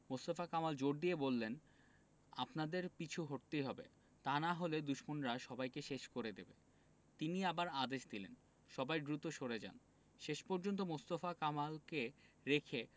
মোস্তফা কামাল জোর দিয়ে বললেন আপনাদের পিছু হটতেই হবে তা না হলে দুশমনরা সবাইকে শেষ করে দেবে তিনি আবার আদেশ দিলেন সবাই দ্রুত সরে যান শেষ পর্যন্ত মোস্তফা কামালকে রেখে